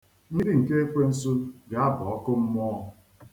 Ndị nke ekwensu ga-aba ọkụmmụọ.